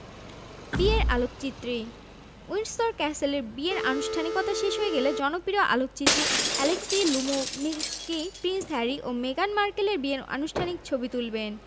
বিয়ের আলোকচিত্রী উইন্ডসর ক্যাসেলে বিয়ের আনুষ্ঠানিকতা হয়ে গেলে জনপ্রিয় আলোকচিত্রী অ্যালেক্সি লুবোমির্সকি প্রিন্স হ্যারি ও মেগান মার্কেলের বিয়ের আনুষ্ঠানিক ছবি তুলবেন